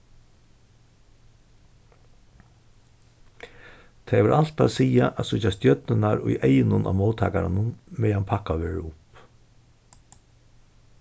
tað hevur alt at siga at síggja stjørnurnar í eygunum á móttakaranum meðan pakkað verður upp